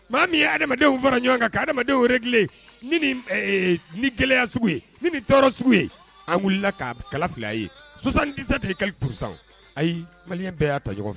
Maa min ye adamadenw fara ɲɔgɔn kan adamadamadenw ni gɛlɛyaya sugu ye ni tɔɔrɔ sugu ye an wulila k'a kala fila ye sonsan dɛsɛsa de ye kali kurusan ayi falen bɛɛ y'a ta ɲɔgɔn fɛ